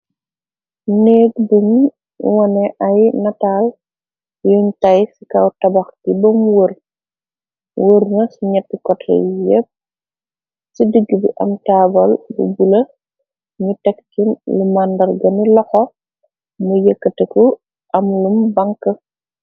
Néek buñ wone ay nataal yuñ tay ci kaw tabax gi bem wëor. Wërna ci ñetti kote yépp. Ci diggi bi am taabal bu bula. Nyu tekk chi màndarga ni laxo mu yëkkteku am lum banke.